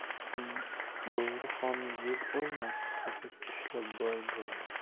bo'ri xom yeb o'lmas ho'kiz ishlab boy bo'lmas